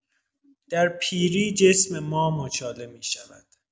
در پیری، جسم ما مچاله می‌شود.